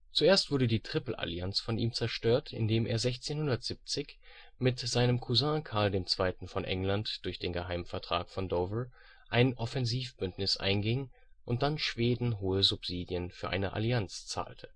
Zuerst wurde die Tripelallianz von ihm zerstört, indem er 1670 mit seinem Cousin Karl II. von England durch den Geheimvertrag von Dover ein Offensivbündnis einging und dann Schweden hohe Subsidien für eine Allianz zahlte